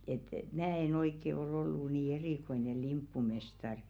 että minä en oikein oli ollut niin erikoinen limppumestari